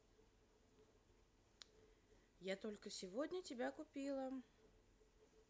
я только сегодня тебя купила